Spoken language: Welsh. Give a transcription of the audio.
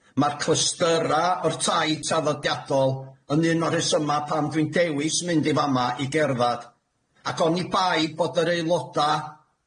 Ma'r clystyra o'r tai traddodiadol yn un o rhesyma pan dwi'n dewis mynd i fa' ma' i gerddad, ac oni bai bod yr aeloda'